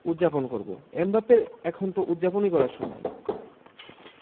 উদ্যাপন করব এমবাপ্পের এখন তো উদ্যাপন করারই সময়